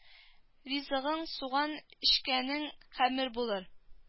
Ризыгың суган эчкәнең хәмер булыр